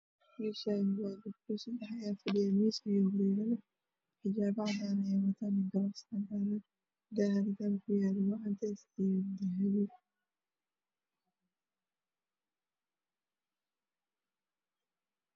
Meshaani waa hol gabdho sedax ayaa fadhiya miis ayaa hor yala xijabo cadan ayeey watan iyo gabasaro cadan daha albaabka ku yala aaa cadees iyo dahabi